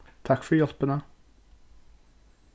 takk fyri hjálpina